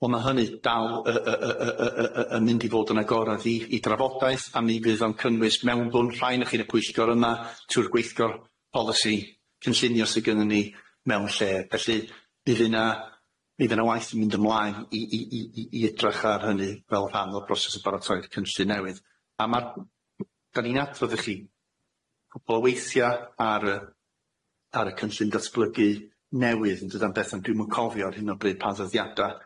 Wel ma' hynny dal yy yy yy yy yy yy yn mynd i fod yn agorad i i drafodaeth a mi fydd o'n cynnwys mewnbwn rhai' nachi yn y pwyllgor yma tŷ'r gweithgor polisi cynllunio sy gynnon ni mewn lle felly mi fydd yna mi fydd yna waith yn mynd ymlaen i i i i i edrych ar hynny fel rhan o'r broses o baratoi'r cynllun newydd a ma'r m- m- da ni'n adrodd i chi cwpwl o weithia' ar yy ar y cynllun datblygu newydd yn dydan Bethan ond dwi'm yn cofio ar hyn o bryd pa ddyddiada.